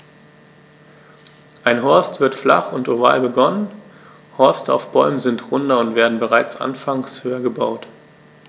Ein Horst wird flach und oval begonnen, Horste auf Bäumen sind runder und werden bereits anfangs höher gebaut.